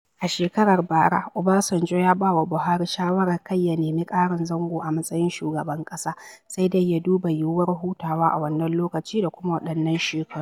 A shekarar bara, Obasanjo ya ba wa Buhari shawarar kar ya nemi ƙarin zango a matsayin shugaban ƙasa, sai dai ya duba yiwuwar hutawa a wannan lokaci da kuma waɗannan shekaru.